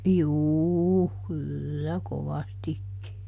juu kyllä kovastikin